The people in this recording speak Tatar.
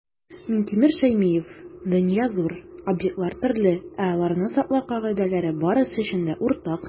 Минтимер Шәймиев: "Дөнья - зур, объектлар - төрле, ә аларны саклау кагыйдәләре - барысы өчен дә уртак".